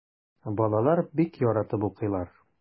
Балалар бик яратып укыйлар.